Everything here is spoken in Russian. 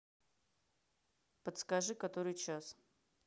подскажи который час